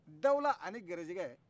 dawula ani garisɛgɛ